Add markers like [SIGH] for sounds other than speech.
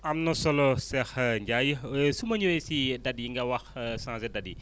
am na solo Cheikh Ndiaye [HESITATION] su ma ñëwee si dates yi nga wax [HESITATION] changer dates yi